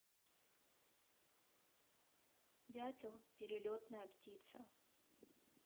дятел перелетная птица